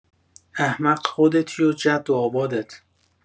احمق خودتی و جد آبادت